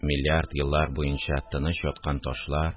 Миллиард еллар буенча тыныч яткан ташлар